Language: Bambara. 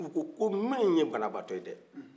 u ko ko min ye banabagatɔ ye dɛ